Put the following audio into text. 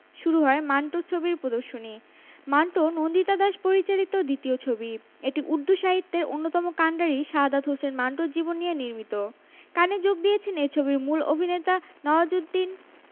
যুগান্তর এর আনন্দনগর প্রতিবেদক হতে সংগৃহীত প্রকাশের সময় ১৪ মে ২০১৮